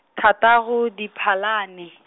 thataro Diphalane.